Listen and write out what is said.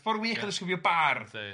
Ffordd wych yn ysgrifio bardd... yndi.